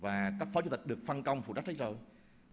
và các phó chủ tịch được phân công phụ trách hết rồi